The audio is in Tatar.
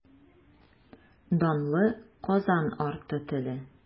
Данлы Казан арты теле.